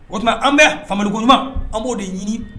O tuma an bɛɛ fankoɲumanuma an b'o de ɲini